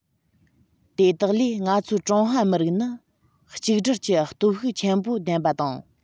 དེ དག ལས ང ཚོའི ཀྲུང ཧྭ མི རིགས ནི གཅིག སྒྲིལ གྱི སྟོབས ཤུགས ཆེན པོ ལྡན པ དང